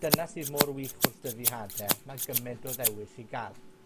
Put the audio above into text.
Dyna sydd mor wych wrth dyfu hade. Ma' gyment o ddewis i ga'l.